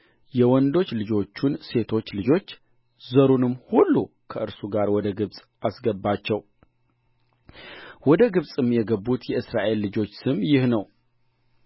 በጎቻቸውንና ላሞቻቸውን ያላቸውንም ሁሉ አመጡ ፈርዖንም ቢጠራችሁ ተግባራችሁስ ምንድር ነው ቢላችሁ በግ ጠባቂ